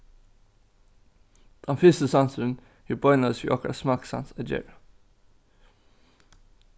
tann fyrsti sansurin hevur beinleiðis við okkara smakksans at gera